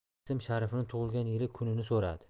ism sharifini tug'ilgan yili kunini so'radi